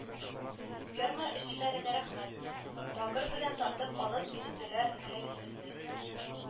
Ферма эшчеләренә рәхмәт, багор белән тартып алып бирделәр хәерсезне